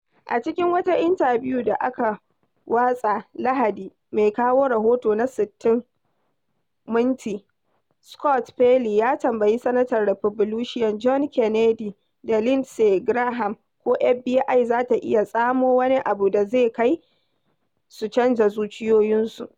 A cikin wata intabiyu da aka wasa Lahadi, mai kawo rahoto na "60 Minutes" Scott Pelley ya tambayi Sanatan Republican John Kennedy da Lindsey Graham ko FBI za ta iya tsamo wani abu da zai kai su canza zuciyoyinsu.